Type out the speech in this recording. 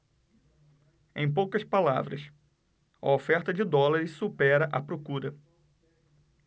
em poucas palavras a oferta de dólares supera a procura